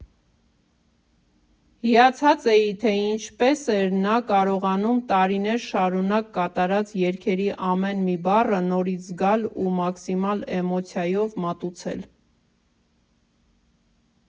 Հիացած էի, թե ինչպես էր նա կարողանում տարիներ շարունակ կատարած երգերի ամեն մի բառը նորից զգալ ու մաքսիմալ էմոցիայով մատուցել…